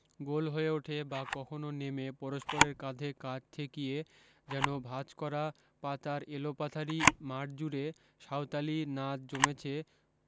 গোল হয়ে উঠে বা কখনো নেমে পরস্পরের কাঁধে কাঁধ ঠেকিয়ে যেন ভাঁজ করা পাতার এলোপাথারি মাঠজুড়ে সাঁওতালি নাচ জমেছে